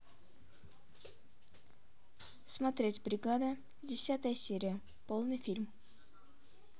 смотреть бригада десятая серия полный фильм